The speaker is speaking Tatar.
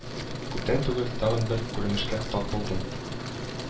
Кγптән тγгел тагын бер кγренешкә тап булдым